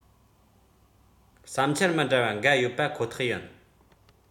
བསམ འཆར མི འདྲ བ འགའ ཡོད པ ཁོ ཐག ཡིན